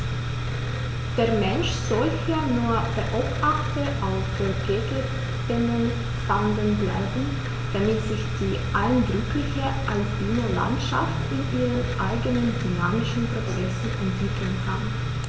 Der Mensch soll hier nur Beobachter auf vorgegebenen Pfaden bleiben, damit sich die eindrückliche alpine Landschaft in ihren eigenen dynamischen Prozessen entwickeln kann.